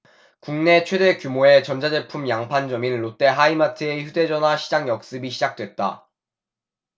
국내 최대 규모의 전자제품 양판점인 롯데하이마트의 휴대전화 시장 역습이 시작됐다